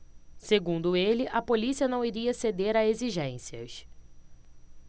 segundo ele a polícia não iria ceder a exigências